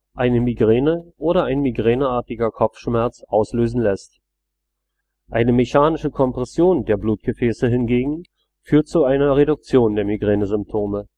eine Migräne oder ein migräneartiger Kopfschmerz auslösen lässt. Eine mechanische Kompression der Blutgefäße hingegen führt zu einer Reduktion der Migränesymptome